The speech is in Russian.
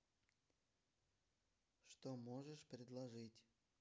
что можешь предложить